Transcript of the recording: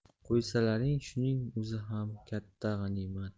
qo'ysalaring shuning o'zi ham katta g'animat